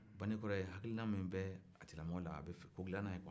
bandi kɔrɔ ye hakilina min b'a tigilamɔgɔ la a bɛ ko dilan n'a kuwa